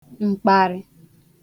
m̀kparị̄